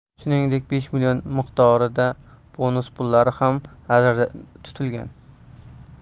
shuningdek besh million miqdorida bonus pullari ham nazarda tutilgan